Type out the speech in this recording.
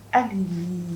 Ami amiina